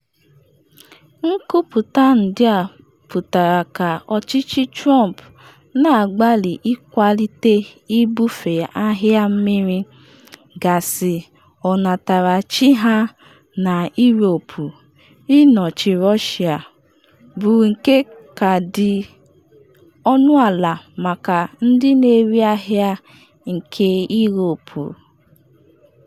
Nkwuputa ndị a pụtara ka ọchịchị Trump na-agbalị ịkwalite ibufe ahịa mmiri gaasị ọnatarachi ha na Europe, ịnọchi Russia, bụ nke ka dị ọnụala maka ndị na-eri ahịa nke Europe.